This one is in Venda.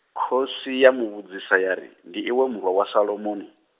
Khosi ya muvhudzisa ya ri, ndi iwe murwa wa Solomoni?